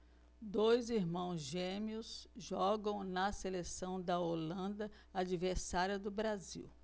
dois irmãos gêmeos jogam na seleção da holanda adversária do brasil